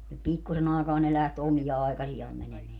pikkuisen aikaa ne lähti omia aikaisiaan menemään